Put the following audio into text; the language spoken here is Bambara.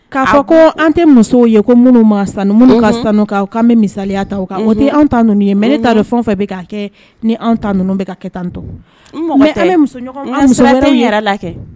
' fɔ ko an tɛ musow ye ko minnu ma sanu sanu'an bɛ misaya ta kan o tɛ anw ta ninnu ye mɛ ne ta fɛn fɛ kɛ ni ta ninnu bɛ ka kɛ tan tɔ la kɛ